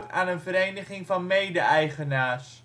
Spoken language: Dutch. aan een Vereniging van Mede-eigenaars